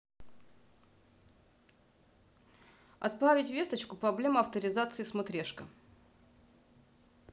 отправить весточку проблема авторизации смотрешка